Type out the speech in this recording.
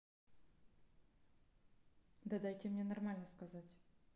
да дайте мне нормально сказать